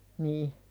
niin